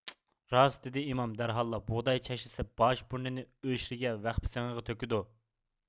راست دېدى ئىمام دەرھاللا بۇغداي چەشلىسە باش بۇرنىنى ئۆشرىگە ۋەخپە سېڭىغا تۆكىدۇ